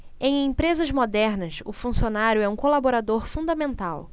em empresas modernas o funcionário é um colaborador fundamental